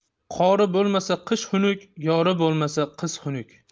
qori bo'lmasa qish xunuk yori bo'lmasa qiz xunuk